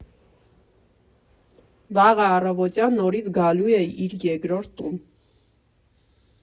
Վաղը առավոտյան նորից գալու էր իր երկրորդ տուն։